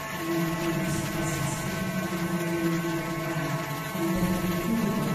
yn berthynas bositif yn amlwg mae o'm mynd i ga'l effaith dda. Ond 'dyn ni hefyd yn gwybo'